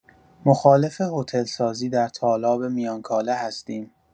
مخالف هتل‌سازی در تالاب میانکاله هستیم.